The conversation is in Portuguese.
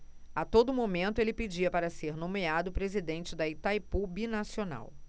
a todo momento ele pedia para ser nomeado presidente de itaipu binacional